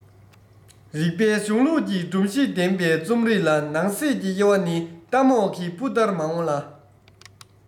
རིག པའི གཞུང ལུགས ཀྱི སྒྲོམ གཞི ལྡན པའི རྩོམ རིག ལ ནང གསེས ཀྱི དབྱེ བ ནི རྟ མོག གི སྤུ ལྟར མང ལ